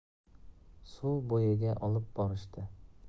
suv bo'yiga olib borishdi